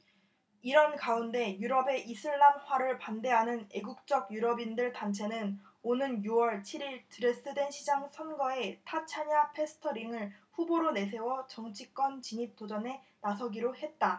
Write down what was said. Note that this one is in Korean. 이런 가운데 유럽의 이슬람화를 반대하는 애국적 유럽인들 단체는 오는 유 월 칠 일 드레스덴시장 선거에 타챠나 페스터링을 후보로 내세워 정치권 진입 도전에 나서기로 했다